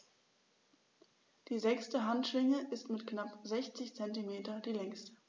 Die sechste Handschwinge ist mit knapp 60 cm die längste.